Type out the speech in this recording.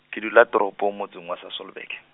ke dula toropong motseng wa Sasolburg.